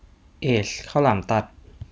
เอซข้าวหลามตัด